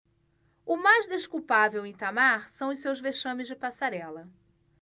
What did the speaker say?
o mais desculpável em itamar são os seus vexames de passarela